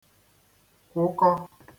kwụkọ